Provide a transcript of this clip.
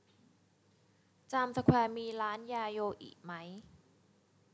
จามสแควร์มีร้านยาโยอิไหม